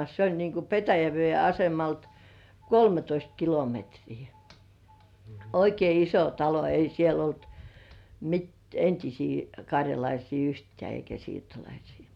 se oli niin kuin Petäjäveden asemalta kolmetoista kilometriä oikein iso talo ei siellä ollut - entisiä karjalaisia yhtään eikä siirtolaisia